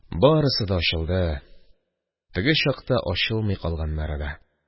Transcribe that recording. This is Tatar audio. Барысы да ачылды – теге чакта ачылмый калганнары да.